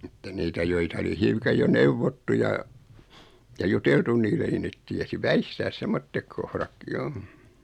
mutta niitä joita oli hiukan jo neuvottu ja ja juteltu niille niin ne tiesi väistää semmoiset kohdatkin jo